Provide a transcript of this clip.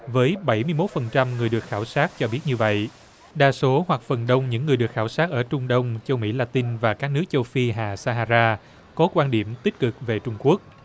với bảy mươi mốt phần trăm người được khảo sát cho biết như vậy đa số hoặc phần đông những người được khảo sát ở trung đông châu mỹ la tinh và các nước châu phi hạ sa ha ra có quan điểm tích cực về trung quốc